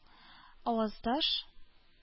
Аваздаш